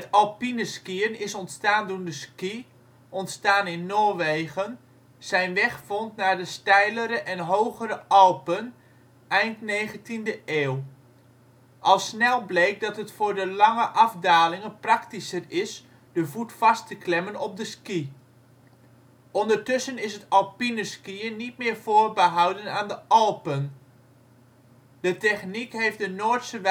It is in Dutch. alpineskiën is ontstaan toen de ski (ontstaan in Noorwegen) zijn weg vond naar de steilere en hogere Alpen (eind 19de eeuw). Al snel bleek dat het voor de lange afdalingen praktischer is de voet vast te klemmen op de ski. Ondertussen is het alpineskiën niet meer voorbehouden aan de Alpen. De techniek heeft de Noordse wijze